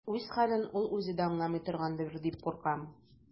Үз хәлен ул үзе дә аңламый торгандыр дип куркам.